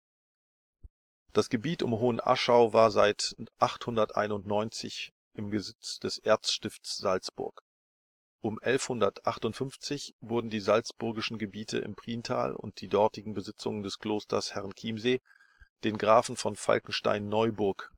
Das Gebiet um Hohenaschau war seit 891 n. Chr. im Besitz des Erzstifts Salzburg. Um 1158 wurden die Salzburgischen Gegbiete im Priental und die dortigen Besitzungen des Klosters Herrenchiemsee den Grafen von Falkenstein-Neuburg